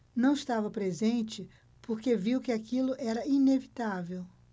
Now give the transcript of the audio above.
não estava presente porque viu que aquilo era inevitável